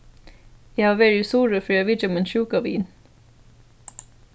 eg havi verið í suðuroy fyri at vitja mín sjúka vin